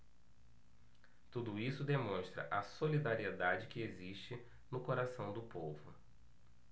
tudo isso demonstra a solidariedade que existe no coração do povo